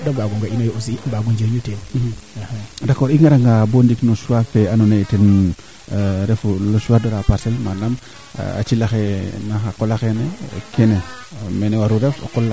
a koɓale yoo ware tarde de a koɓale ware tarde nda o buga nga tarde ke den fop daal ande o qol kaa may critere mayu non seulement keete leyong a refa nga na cang no walum formation